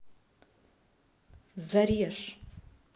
зарежь